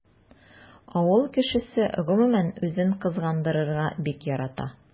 Авыл кешесе гомумән үзен кызгандырырга бик ярата.